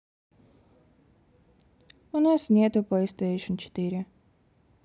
у нас нету playstation четыре